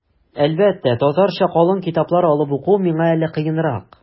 Әлбәттә, татарча калын китаплар алып уку миңа әле кыенрак.